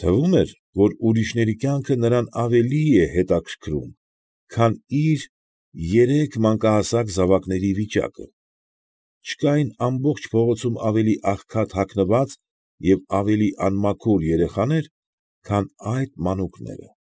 Թվում էր, որ ուրիշների կյանքը նրան ավելի է հետաքրքրում, քան իր երեք մանկահասակ զավակների վիճակը, չկային ամբողջ փողոցում ավելի աղքատ հագնված և ավելի անմաքուր երեխաներ, քան այդ մանուկները։